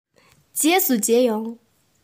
རྗེས སུ མཇལ ཡོང